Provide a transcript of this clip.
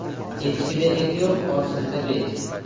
echkida et yo'q orsizda bet